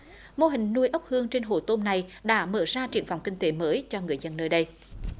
mô hình nuôi ốc hương trên hồ tôm này đã mở ra triển vọng kinh tế mới cho người dân nơi đây